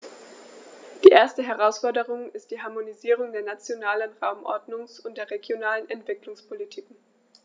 Die erste Herausforderung ist die Harmonisierung der nationalen Raumordnungs- und der regionalen Entwicklungspolitiken.